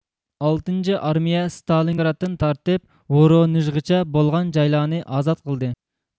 ئالتىنچى ئارمىيە ستالىنگرادتىن تارتىپ ۋورونېژغىچە بولغان جايلارنى ئازات قىلدى